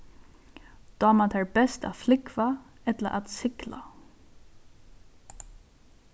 dámar tær best at flúgva ella at sigla